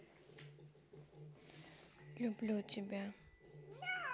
люблю тебя